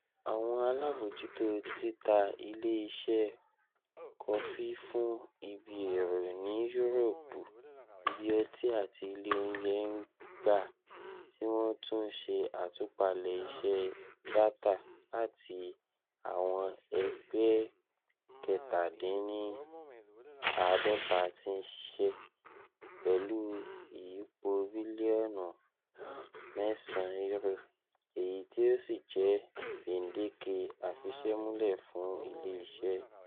Awọn alabojuto tita ile iṣẹ kọfi fun ibi ero ni Uropu, ibi ọti ati ile ounjẹ n gba ti wọn tun n ṣe atupalẹ iṣe data lati awọn egbẹ 47 ti n ṣiṣẹ, pẹlu iyipo biliọnu £9, eyi ti o si jẹ gbendeke afisẹmulẹ fun ile-iṣẹ.